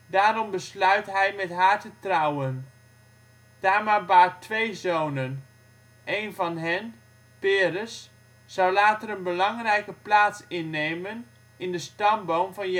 Daarom besluit hij met haar te trouwen. Tamar baart twee zonen. Eén van hen, Peres, zou later een belangrijke plaats innemen in de stamboom van